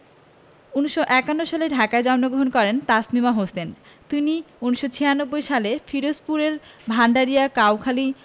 ১৯৫১ সালে ঢাকায় জন্মগহণ করেন তাসমিমা হোসেন তিনি ১৯৯৬ সালে পিরোজপুরের ভাণ্ডারিয়া কাউখালী